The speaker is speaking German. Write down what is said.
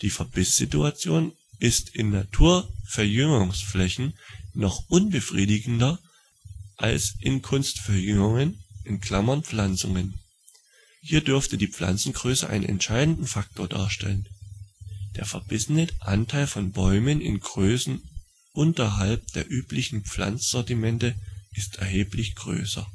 Verbisssituation ist in Naturverjüngungsflächen noch unbefriedigender als in Kunstverjüngungen (Pflanzungen). " Hier dürfte die Pflanzengröße einen entscheidenden Faktor darstellen: der verbissene Anteil von Bäumen in Größen unterhalb der üblichen Pflanzsortimente ist erheblich größer